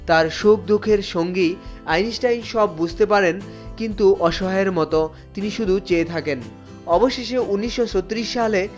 তার সুখ-দুঃখের সঙ্গী আইনস্টাইন সব বুঝতে পারেন কিন্তু অসহায়ের মতো তিনি শুধু চেয়ে থাকেন অবশেষে ১৯৩৬ সালে